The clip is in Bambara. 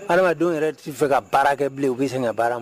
Adamadenw yɛrɛ tɛ fɛ ka baara kɛ bilen u bɛ se ka baara ma